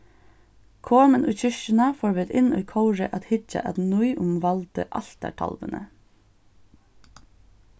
komin í kirkjuna fóru vit inn í kórið at hyggja at nýumvældu altartalvuni